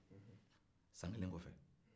san kelen kɔ fɛ